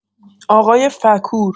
آقای فکور